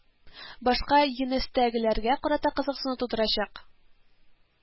Башка енестәгеләргә карата кызыксыну тудырачак